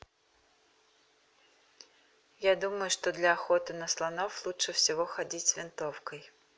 я думаю что для охоты на слонов лучше всего ходить с винтовкой